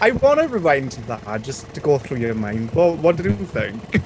I want to rewind to that, just to go through your mind. Wha- what did you think?